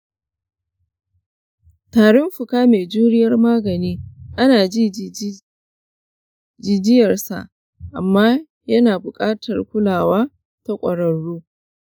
tarin fuka mai juriyar magani ana iya jiyyarsa amma yana buƙatar kulawa ta ƙwararru.